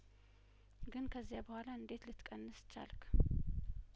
ግን ከዚያበኋላ እንዴት ልት ቀንስ ቻልክ